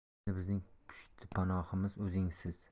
endi bizning pushtipanohimiz o'zingizsiz